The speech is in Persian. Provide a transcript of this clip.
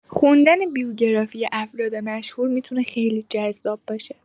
خوندن بیوگرافی افراد مشهور می‌تونه خیلی جذاب باشه.